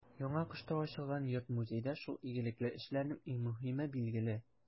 Яңагошта ачылган йорт-музей да шул игелекле эшләрнең иң мөһиме, билгеле.